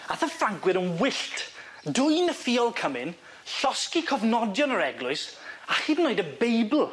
Ath y Ffrancwyr yn wyllt dwyn y ffiol cymyn, llosgi cofnodion yr eglwys a hyd yn oed y Beibl.